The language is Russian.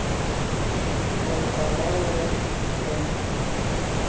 банковая российская